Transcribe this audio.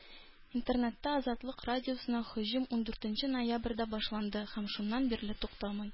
Интернетта Азатлык радиосына һөҗүм ундүртенче ноябрьдә башланды һәм шуннан бирле тукталмый.